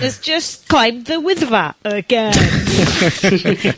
...*has just climbed th Wyddfa again.